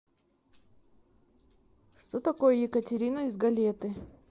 что такое екатерина из галеты